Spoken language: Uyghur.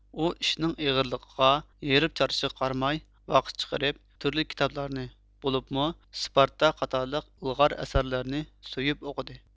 ئۇ ئىشنىڭ ئېغىرلىقىغا ھېرىپ چارچىشىغا قارىماي ۋاقىت چىقىرىپ تۈرلۈك كىتابلارنى بولۇپمۇ سپارتاك قاتارلىق ئىلغار ئەسەرلەرنى سۆيۈپ ئوقۇدى